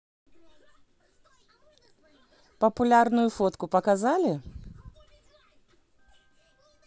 популярную фотку показали